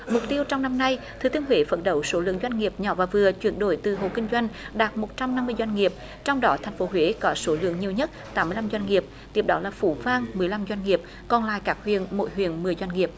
mục tiêu trong năm nay thừa thiên huế phấn đấu số lượng doanh nghiệp nhỏ và vừa chuyển đổi từ hộ kinh doanh đạt một trăm năm mươi doanh nghiệp trong đó thành phố huế có số lượng nhiều nhất tám mươi lăm doanh nghiệp tiếp đó là phú vang mười lăm doanh nghiệp còn lại các huyện mỗi huyện mười doanh nghiệp